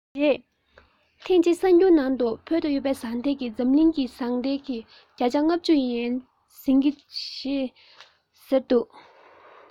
ཡིན གྱི རེད ཐེངས གཅིག གསར འགྱུར ནང དུ བོད དུ ཡོད པའི ཟངས གཏེར གྱིས འཛམ གླིང ཟངས གཏེར གྱི བརྒྱ ཆ ལྔ བཅུ ཟིན གྱི ཡོད ཟེར བཤད འདུག